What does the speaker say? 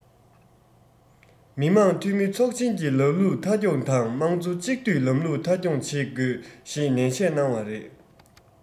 མི དམངས འཐུས མི ཚོགས ཆེན གྱི ལམ ལུགས མཐའ འཁྱོངས དང དམངས གཙོ གཅིག སྡུད ལམ ལུགས མཐའ འཁྱོངས བྱེད དགོས ཞེས ནན བཤད གནང བ རེད